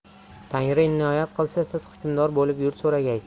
tangri inoyat qilsa siz hukmdor bo'lib yurt so'ragaysiz